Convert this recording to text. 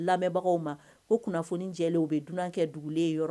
Lamɛnbagaw ma ko kunnafoni jɛ bɛ dunan kɛ dugulen yɔrɔ